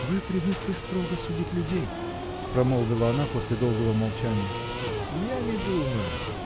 -- Вы привыкли строго судить людей, -- промолвила она после долгого молчанья. -- Я? -- Не думаю.